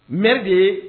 Mɛri de ye